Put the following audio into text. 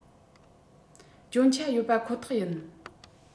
སྐྱོན ཆ ཡོད པ ཁོ ཐག ཡིན